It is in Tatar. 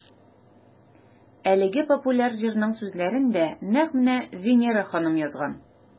Әлеге популяр җырның сүзләрен дә нәкъ менә Винера ханым язган.